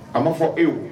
A b maa fɔ eo